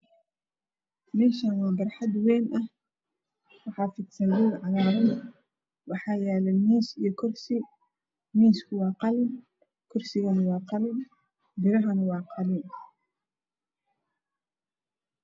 Meeshaan waa barxad weyn ah waxaa fidsan roog cagaaran. waxaa yaala miis iyo kursi. miisku waa qalin, kursiguna waa qalin, biruhuna waa qalin.